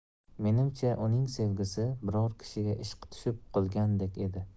menimcha uning sevgisi biror kishiga ishqi tushib qolgandek edi